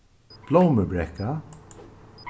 blómubrekka